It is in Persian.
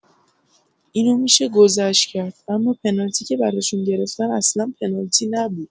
اینو می‌شه گذشت کرد، اما پنالتی که براشون گرفتن اصلا پنالتی نبود!